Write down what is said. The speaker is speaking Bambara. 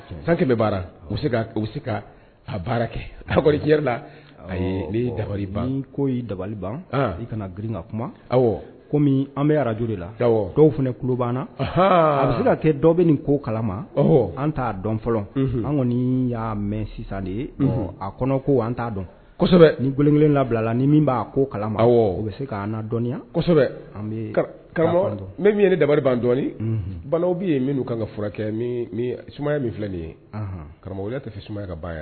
San kɛmɛ bɛ baara u se ka a baara kɛ la ne da ko dabali ban i kana grin ka kuma kɔmi an bɛ araj la dɔw fana kulu banna a bɛ se ka kɛ dɔw bɛ nin ko kala ma an t'a dɔn fɔlɔ an kɔni y'a mɛn sisanli ye a kɔnɔ ko an t'a dɔn kosɛbɛ ni kelen labilala ni min b'a ko kala o bɛ se k' dɔnniya kosɛbɛ an bɛ min ye ne dabali ban dɔɔnin bala bɛ yen min'u kan ka furakɛ sumaya min filɛ nin ye karamɔgɔya tɛ suma ka baara ye